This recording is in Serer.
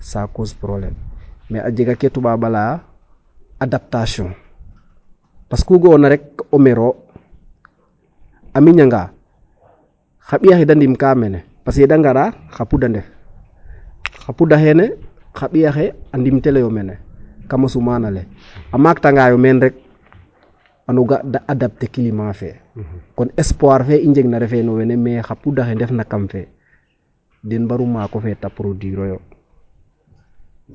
A cause problème me a jega ke toubab a layaa adaptation parce que ku ga'oona rek o mero a miñanga xa ɓiy axe da ndimkaa mene parce que yee da ngara xa pud a ndef, xa pud axene xa ɓiy axe a ndimtelopyo mene kam a sumaan ale a maakangaayo neen rek xan o ga' da adapter climat fe kon espoir fe i njegna refee wene mais xa pud axe ndefna kam fe den mbaru maak o feet a produire oyo.